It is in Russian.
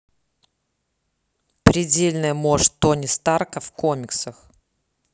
предельная можт тони старка в комиксах